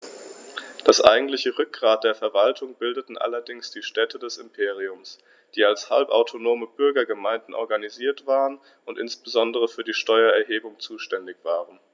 Das eigentliche Rückgrat der Verwaltung bildeten allerdings die Städte des Imperiums, die als halbautonome Bürgergemeinden organisiert waren und insbesondere für die Steuererhebung zuständig waren.